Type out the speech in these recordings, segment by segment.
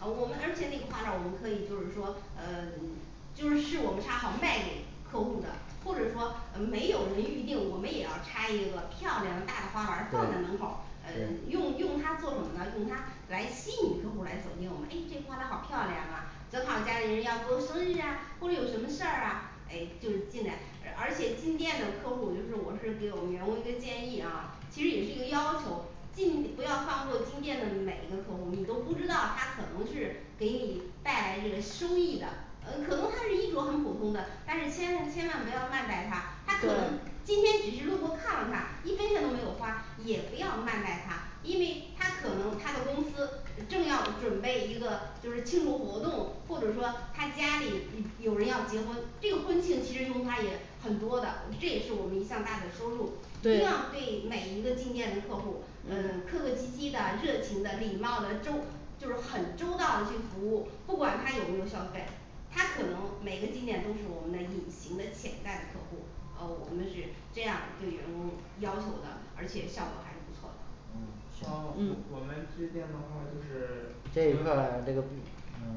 啊我们而且那个花篮儿我们可以就是说呃嗯 就是是我们插好卖给客户的或者说嗯没有人预定我们也要插一个漂亮大的花篮儿放在门口对儿嗯对用用它做什么呢用它来吸引客户来走进我们诶这花篮儿好漂亮啊正好儿家里人要过生日啊或者有什么事儿啊诶就进来而且进店的客户就是我是给我们员工一个建议啊其实也是一个要求尽力不要放过进店的每一个客户你都不知道他可能是给你带来这个收益的嗯可能他是衣着很普通的但是千千万不要慢待他他可能对今天只是路过看了看一分钱都没有花也不要慢待他因为他可能他的公司正呃要准备一个就是庆祝活动或者说他家里一 有人要结婚这一过去其实从他也很多的这也是我们一项大的收入对对每一个进店的客户嗯客客气气的热情的礼貌的周就是很周到的去服务不管他有没有消费他可能每个进店都是我们的隐形的潜在的客户儿呃我们是这样对员工要求的而且效果还是不错的嗯呃行我我嗯们这店的话就是这一块儿这个嗯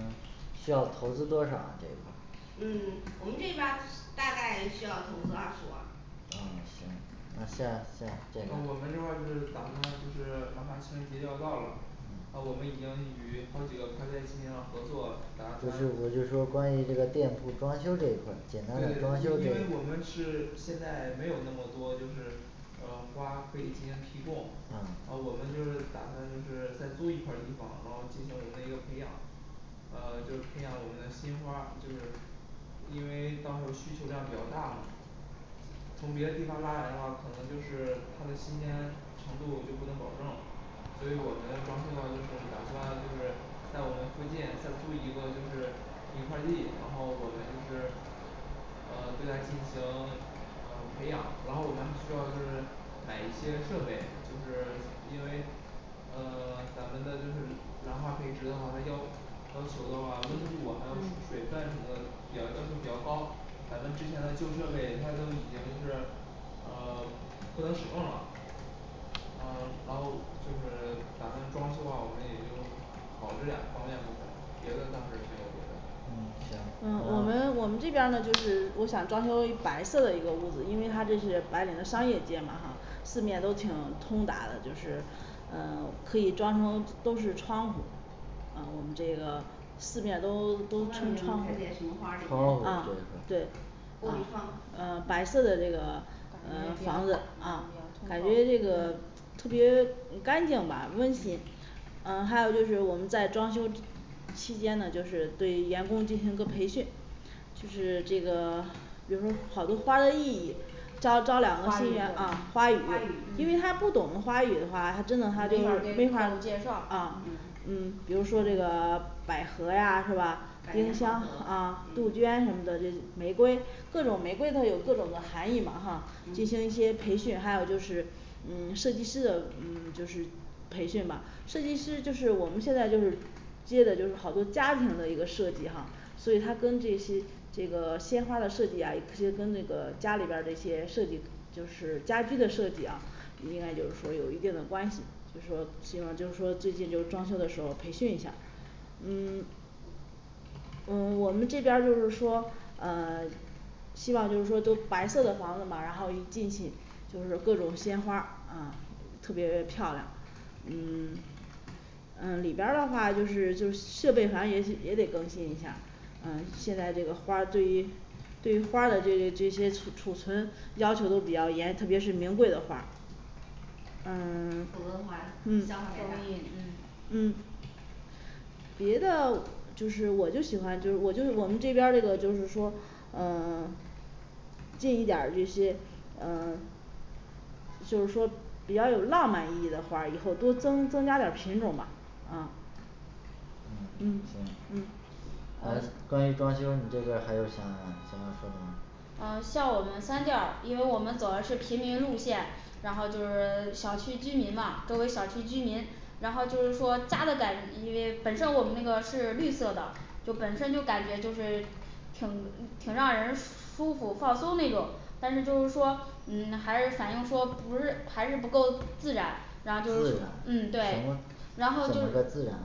需要投资多少啊这一块儿嗯我们这边儿大概也需要投资二十万嗯行那像这样这呃个我们这块儿是打算就是马上情人节要到了呃我们已经与好几个开会进行了合作了打就算是我就说关于这个店铺装修这一块儿对对对简单的装修因为我们是现在没有那么多就是呃花最近进行提供呃嗯我们就是打算就是再租一块儿地方然后进行我们一个培养呃就是培养我们的新花儿就是因为到时候需求量比较大嘛从别的地方拉来的话可能就是它的新鲜程度就不能保证所以我们要装修的话就是打算就是在我们附近再租一个就是一块儿地然后我们就是呃对它进行嗯培养然后我们还需要就是买一些设备就是 因为嗯 咱们的就是兰花配植的话它要要求的话温度啊&嗯&还有水分什么的比较要求比较高咱们之前的旧设备它都已经就是嗯不能使用了嗯然后就是咱们装修好我们也就搞这两个方面部分别的倒是没有别的嗯嗯行我们啊我们这边儿呢就是我想装修一白色的一个屋子因为它这是白领的商业街嘛四面都挺通达的就是呃可以装成都是窗户嗯这个四面从外面能都都可以看见什么窗户花儿里嗯面这一对块儿玻璃窗呃儿白色的那感觉比较大比较通透嗯个嗯房子啊感觉这个特别干净吧温馨嗯还有就是我们在装修期间呢就是对员工进行一个培训其实这个比如好多花儿的意义招招两个花语啊花花语语因为他嗯不懂得花语的话他真没的他法给人介绍啊嗯嗯比如说那个 百合呀是吧百郁金年好香合啊杜嗯鹃什么的就玫瑰各种玫瑰它有各种的含义嘛哈进行一些嗯培训还有就是嗯设计师的嗯就是培训吧设计师就是我们现在就是接着就是好多家庭的一个设计哈所以他跟这些这个鲜花的设计呀不行跟这个家里边儿那些设计就是家居的设计啊应该就是说有一定的关系就说希望就是说最近就是装修的时候培训一下儿嗯 呃我们这边儿就是说呃 希望就是说就白色的房子嘛然后一进去就是各种鲜花儿啊特别漂亮嗯 嗯里边儿的话就是就设备反正也也得更新一下嗯现在这个花儿对于对于花儿的这这些粗 储存要求都比较严特别是名贵的花儿嗯 否则的话相当白嗯搭嗯嗯别的就是我就喜欢就我就我们这边儿那个就是说呃 进一点儿这些呃就是说比较有浪漫意义的花儿以后多增增加点儿品种吧啊嗯嗯嗯行还关于装修你这边儿还有什么想想要说的吗嗯像我们三店儿因为我们走的是平民路线然后就是 小区居民嘛周围小区居民然后就是说家的感因为本身我们那个是绿色的就本身就感觉就是挺挺让人舒服放松那种但是就是说嗯还是反映说不是还是不够自然自然怎么怎么然后就是嗯对然后就是个自然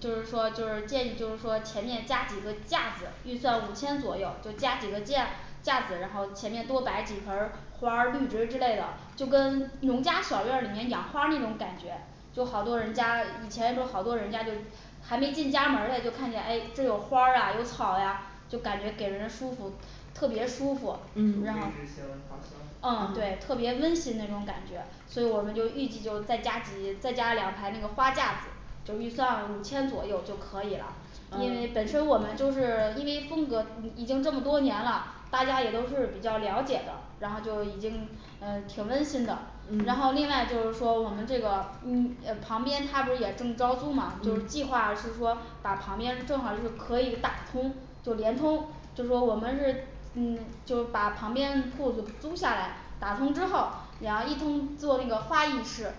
就是法说就是建议就是说前面加几个架子预算五千左右就加几个架架子然后前面多摆几盆儿花儿绿植之类的就跟农家小院儿里面养花儿那种感觉就好多人家以前都好多人家就还没进家门儿呢就看见诶这有花儿啊有草呀就感觉给人舒服特别舒服无意之间然的后嗯花香嗯对特别温馨那种感觉所以我们就预计就再加几再加两排那个花架子就预算五千左右就可以了因为本嗯身我们就是因为风格已已经这么多年了大家也都是比较了解的然后就已经嗯挺温馨的然嗯后另外就是说我们这个嗯呃旁边它不是也正招租嘛就是计划是说把旁边正好就可以打通就联通就说我们是嗯就把旁边铺子租下来打通之后然后一通做一个花艺室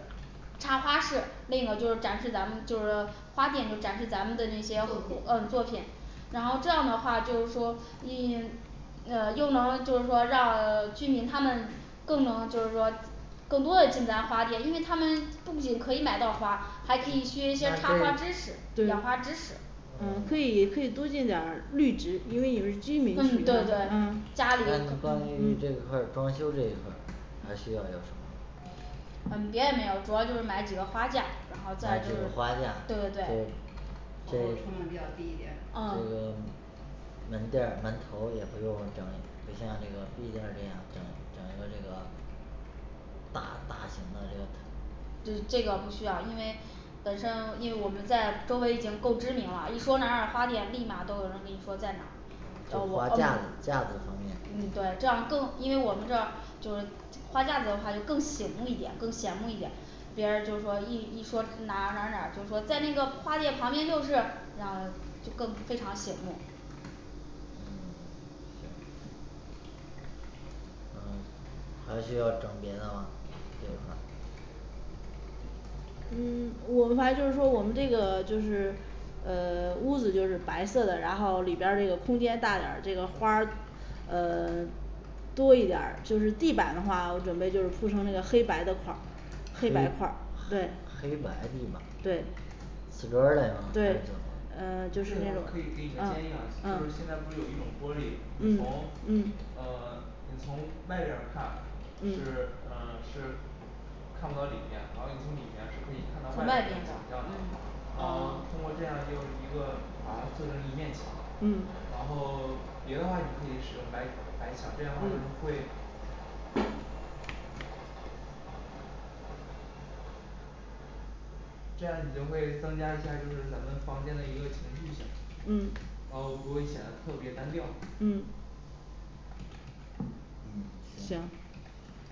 插花室另一个就是展示咱们就是花店展示咱们的那些呃作作品品然后这样的话就是说你呃又能就是说让 居民他们更能就是说更多的进咱花店因为他们不仅可以买到花儿还可以学一些插花儿知识&对&养花儿知识嗯可以嗯可以多进点绿植因为也是居民区嗯嘛对嗯对家那你关里于这嗯嗯块儿装修这一块儿还需要点儿什么嗯别的没有主要就是买几个花架然后再买就几是个花架对就对对是投入成这本比较低一点这个嗯门店儿门头也不用整理不像这个B店儿这样整整一个这个大大型的这个对这个不需要因为本身因为我们在周围已经够知名了一说哪哪儿花店立马都有人跟你说在哪儿然哦后就是我嗯花架子架子方面嗯对这样更因为我们这儿就是花架子的话就更醒目一点更显目一点别人儿就说一一说哪哪儿哪儿就是说在那个花店旁边右置这样就就更非常醒目嗯行还需要整别的吗这一块儿嗯我们吧就是说我们这个就是呃 屋子就是白色的然后里边儿这个空间大点儿这个花儿呃 多一点儿就是地板的话我准备就是铺成这个黑白的块儿黑黑黑白白块儿对地板对瓷砖儿嘞吗呃 就这是方可以给你个啊建议啊啊就是现在不是有一种玻璃你嗯从嗯呃你从外边儿看是嗯呃是看不到里面然后你从里面是可以看到外面外的景面的象的然嗯后通过这样又一个把它做成一面墙然后 别的话你可以使用白白墙这样话就是会这样你就会增加一下就是咱们房间的一个情趣性嗯然后不会显得特别单调嗯嗯行行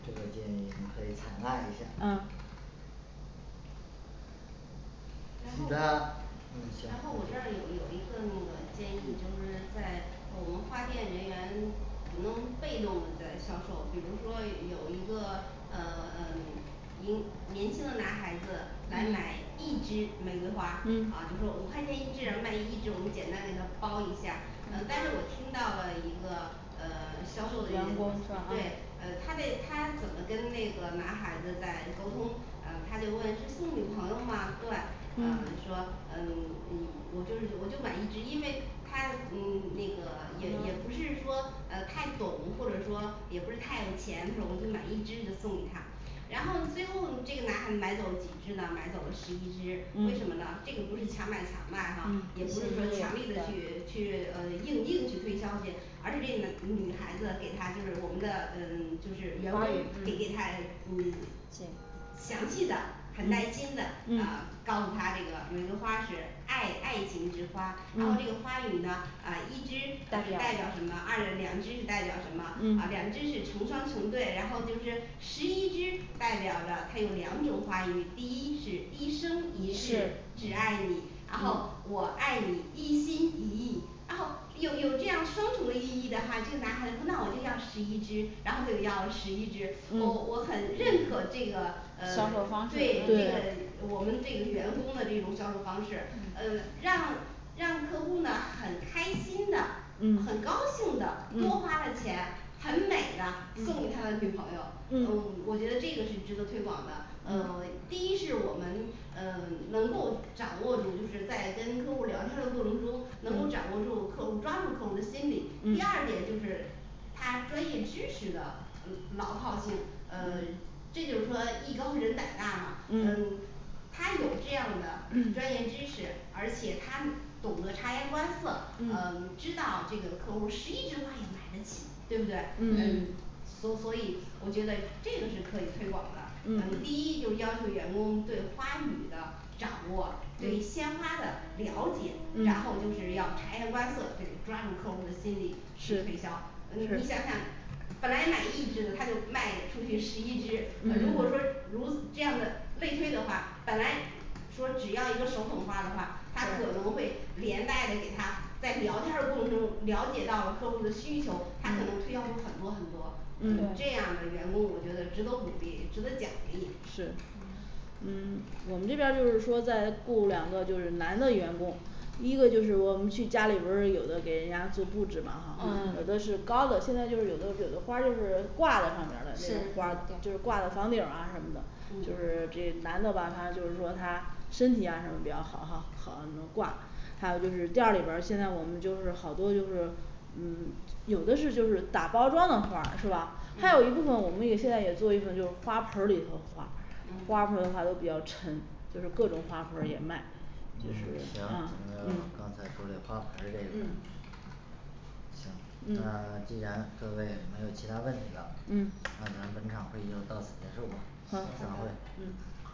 这个建议你可以采纳一下嗯儿然其后它嗯行然后我这儿有有一个那个建议就是在我们花店人员不能被动的在销售比如说有一个呃 宁 年轻的男孩子来买嗯一支玫瑰花儿啊就说嗯五块钱一只买一只我简单的给它包一下嗯但是我听到了一个呃 销售的一员工是吧 对嗯呃她在她怎么跟那个男孩子在沟通呃她就问是送女朋友吗对嗯说嗯 嗯我就是我就买一支因为他嗯那个也也不啊是说呃太懂或者说也不是太有钱的时候我就买一支就送给她然后最后这个男孩子买走几支呢买走了十一支&嗯&为什么呢这个不是强买强卖哈&嗯&也不是说强力的去去呃硬硬去推销去而且这男女孩子给她就是我们的呃 就是员工花语可以给她嗯嗯介详细的很耐心的啊嗯告诉他这个玫瑰花是爱爱情之花然后这个嗯花语呢啊一支代代表表什么二两支代表什么啊两嗯支是成双成对然后就是十一支代表着它有两种花语第一是一生一一世世只爱你嗯然后我爱你一心一意然后有有这样双重意义的话这个男孩子说那我就要十一支然后他就要十一支我我很认可这个呃销售方式对这个对嗯我们这员工的这种销售方式呃让让客户啊很开心的很嗯高兴的多花了嗯钱很美的送给他的嗯女朋友呃我嗯觉得这个是值得推广的呃 第一是我们呃能够掌握就是在跟客户聊天儿的过程中能够掌握嗯住客户抓住客户的心理第二嗯点就是她专业知识的嗯牢靠性呃这就是说艺高人胆大嘛嗯嗯她有这样的专业知识而且她懂得察言观色呃嗯知道这个客户儿十一支花也买得起对不对嗯嗯嗯所所以我觉得这个是可以推广的嗯第嗯一就是要求员工对花语的掌握对鲜花的了解然后就是要察言观色对抓住客户的心理去推销是呃你想想本来买一支的她就卖出去十一支啊如果说嗯如这样的类推的话本来说只要一个手捧花的话她可能会连带的给他在聊天的过程中了解到了客户的需求她可能推销出很多很多嗯这样对的员工我觉得值得鼓励值得奖励是嗯嗯我们这边儿就是说在雇两个就是男的员工第一个就是我们去家里不是有的给人家做布置嘛哈有的嗯是高的现在就是有的有的花儿就是挂在上面儿的这种花儿是就是挂在房顶啊什么的所以就是这男的吧他就说他身体呀什么比较好哈好能挂还有就是店里边儿现在我们就是好多就是嗯有的是就是打包装的花儿是吧还有一部分嗯我们也现在也做一部分就是花盆儿里头的花儿花盆儿里嗯的花盆儿里的花都比较沉就是各种花盆儿也卖嗯啊行咱嗯们刚才说这花盆儿这一块儿嗯那嗯既然各位没有其他问题了嗯那咱本场会议就到此结束吧散好好会行的嗯